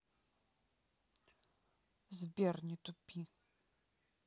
сбер не тупи